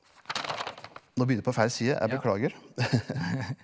nå begynte jeg på feil side jeg beklager .